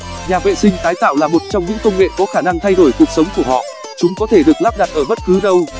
nhà vệ sinh tái tạo là một trong những công nghệ có khả năng thay đổi cuộc sống của họ chúng có thể được lắp đặt ở bất cứ đâu